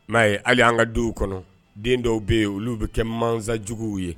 N'a ye ale an ka denw kɔnɔ den dɔw bɛ yen olu bɛ kɛ mankan juguw ye